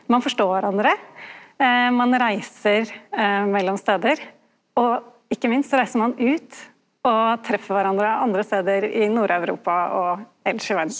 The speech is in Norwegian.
ein forstår kvarandre ein reiser mellom stader og ikkje minst så reiser ein ut og treffer kvarandre andre stader i Nord-Europa og elles i verda.